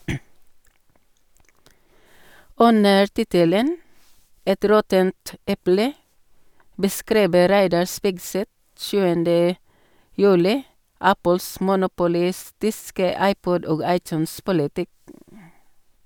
Under tittelen «Et råttent eple» beskriver Reidar Spigseth 7. juli Apples monopolistiske iPod- og iTunes-politikk.